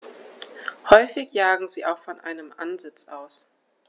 Häufig jagen sie auch von einem Ansitz aus.